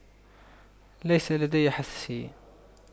ليس لدي حساسية